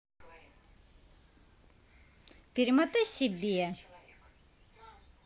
перемотай себе